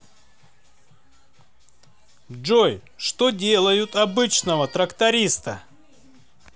джой что делают обычного тракториста